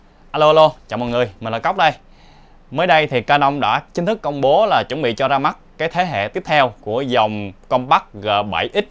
alo alo chào mọi người mình là cóc mới đây thì canon đã chính thức công bố cho ra mắt thế hệ tiếp theo của dòng compact g x